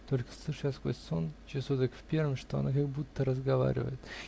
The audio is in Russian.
Только слышу я сквозь сон -- часу этак в первом, -- что она как будто разговаривает